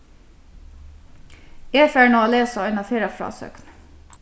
eg fari nú at lesa eina ferðafrásøgn